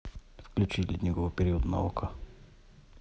включи ледниковый период на окко